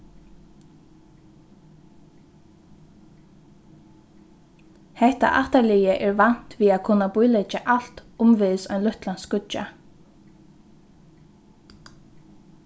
hetta ættarliðið er vant við at kunna bíleggja alt umvegis ein lítlan skíggja